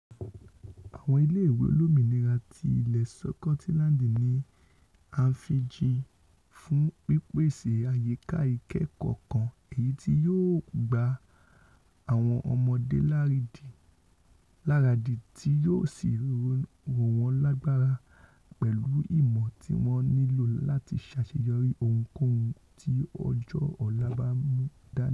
Àwọn ilé ìwé olómìnira ti ilẹ̀ Sikotilandi ní a fijìn fún pípèsè àyíká ìkẹ́kọ̀ọ́ kan èyití yóò gba àwọn ọmọdé laradì tí yóò sì rówọn lágbara pẹ̀lú ìmọ̀ tíwọ́n nílò láti ṣàṣeyọrí, ohunkóhùn tí ọjọ́ ọ̀la bámú dáni.